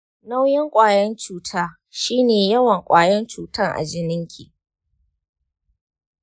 nauyin ƙwayan cuta shine yawan ƙwayan cutan a jininki.